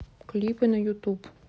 клипы на ютуб